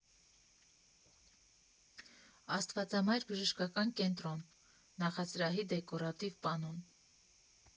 Աստվածամայր բժշկական կենտրոն) նախասրահի դեկորատիվ պանոն։